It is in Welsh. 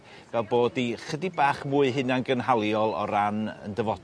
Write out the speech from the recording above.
fel bod 'i chydig bach mwy hunan gynhaliol o ran 'yn